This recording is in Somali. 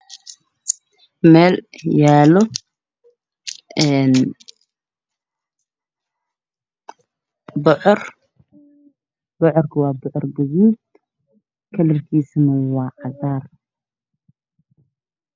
Meel yaalo bocor bocorku wa bocor gadud kalarkisu waa cagaar